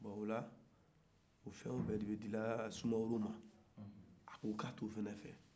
bon ola o fɛw bɛɛ de dira sumaworo ma a ko k'a to fɛ